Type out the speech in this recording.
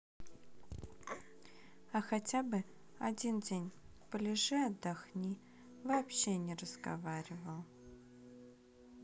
а хотя бы один день полежи отдохни вообще не разговаривал